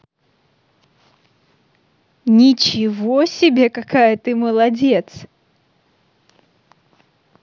ничего себе какая ты молодец